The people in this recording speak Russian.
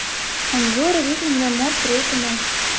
обзор элитных домов репино